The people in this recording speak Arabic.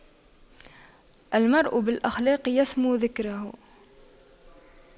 المرء بالأخلاق يسمو ذكره